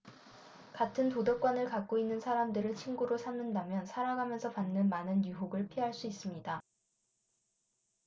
같은 도덕관을 갖고 있는 사람들을 친구로 삼는다면 살아가면서 받는 많은 유혹을 피할 수 있습니다